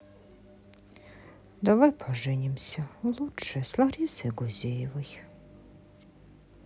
давай поженимся лучшее с ларисой гузеевой